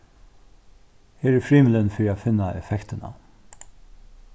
her er frymilin fyri at finna effektina